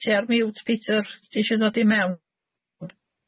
Ti ar mute Peter, ti isio dod i mewn?